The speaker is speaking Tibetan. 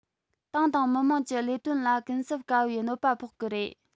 ཏང དང མི དམངས ཀྱི ལས དོན ལ གུན གསབ དཀའ བའི གནོད པ ཕོག གི རེད